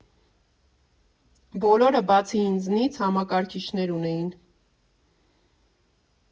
Բոլորը, բացի ինձնից, համակարգիչներ ունեին։